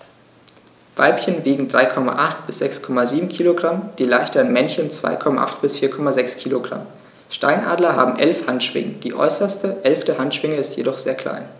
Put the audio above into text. Weibchen wiegen 3,8 bis 6,7 kg, die leichteren Männchen 2,8 bis 4,6 kg. Steinadler haben 11 Handschwingen, die äußerste (11.) Handschwinge ist jedoch sehr klein.